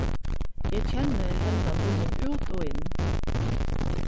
eg kenni hendan býin út og inn